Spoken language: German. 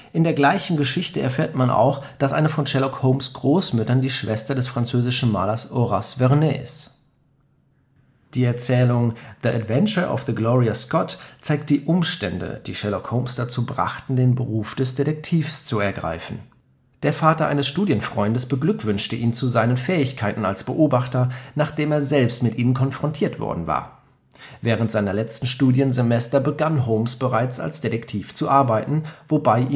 In der gleichen Geschichte erfährt man auch, dass eine von Sherlock Holmes’ Großmüttern die Schwester des französischen Malers Horace Vernet ist. Die Erzählung The Adventure of the Gloria Scott (dt.: Die Gloria Scott) zeigt die Umstände, die Sherlock Holmes dazu brachten, den Beruf des Detektivs zu ergreifen: Der Vater eines Studienfreundes beglückwünschte ihn zu seinen Fähigkeiten als Beobachter, nachdem er selbst mit ihnen konfrontiert worden war. Während seiner letzten Studiensemester begann Holmes bereits als Detektiv zu arbeiten, wobei